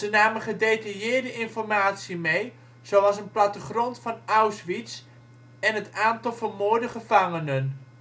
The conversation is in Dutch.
namen gedetailleerde informatie mee, zoals een plattegrond van Auschwitz en het aantal vermoorde gevangenen